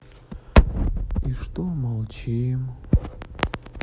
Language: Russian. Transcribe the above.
и что молчим